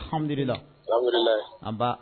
Hamilila